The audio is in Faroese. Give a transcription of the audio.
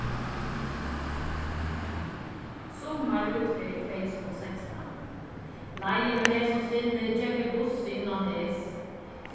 summarútferð tvey túsund og sekstan leiðin á hesum sinni gekk við bussi inn á nes